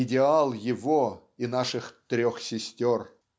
идеал его и наших трех сестер.